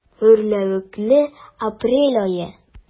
Гөрләвекле апрель ае.